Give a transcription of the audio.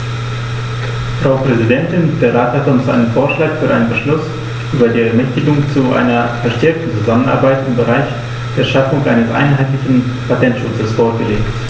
Frau Präsidentin, der Rat hat uns einen Vorschlag für einen Beschluss über die Ermächtigung zu einer verstärkten Zusammenarbeit im Bereich der Schaffung eines einheitlichen Patentschutzes vorgelegt.